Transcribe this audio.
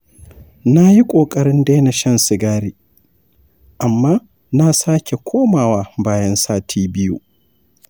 na yi ƙoƙarin daina shan sigari, amman na sake komawa bayan sati biyu.